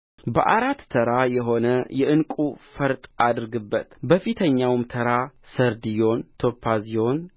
በአራት ተራ የሆነ የዕንቍ ፈርጥ አድርግበት በፊተኛው ተራ ሰርድዮን ቶጳዝዮን